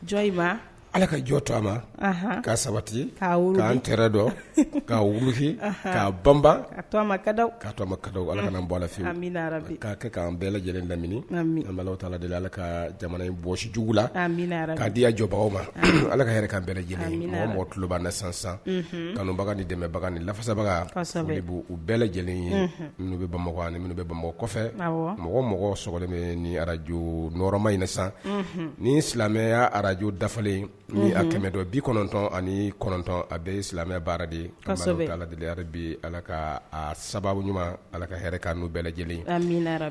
Ala ka jɔ to ma'a sabati'an dɔn' wufin ka ban ala ka bɔ lafin kɛ bɛɛ lajɛlen lamini ala ka jamana bɔsijugu la di jɔbaw ma ala ka bɛɛ lajɛlen mɔgɔlobaɛ san kanubaga ni dɛmɛbaga ni lafasabaga u bɛɛ lajɛlen ye minnu bɛ bama ani minnu bɛ bama kɔfɛ mɔgɔ mɔgɔ bɛ ni arajoɔrɔma ɲini san ni silamɛya arajo dafalen tɛmɛdɔ bi kɔnɔntɔn ani kɔnɔntɔn a bɛ silamɛ baara de bi ala ka sababu ɲuman ala ka n'u bɛɛ lajɛlen